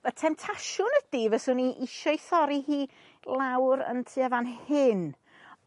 y temtasiwn ydi fyswn i isio'i thorri hi lawr yn tua fan hyn